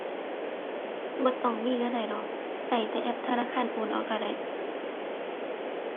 บ่ต้องมีก็ได้ดอก ซะก็แต่แอปธนาคารโอนเอาก็ได้